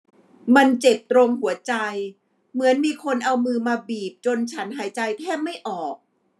มันเจ็บตรงหัวใจเหมือนมีคนเอามือมาบีบจนฉันหายใจแทบไม่ออก